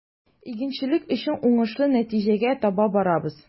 Игенчелек өчен уңышлы нәтиҗәгә таба барабыз.